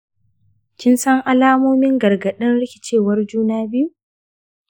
kin san alamomin gargaɗin rikicewar juna biyu?